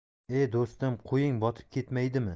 e do'stim qo'ying botib ketmaydimi